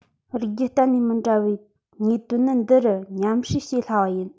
རིགས རྒྱུད གཏན ནས མི འདྲ བའི དངོས དོན ནི འདི རུ མཉམ བསྲེ བྱེད སླ བ ཡིན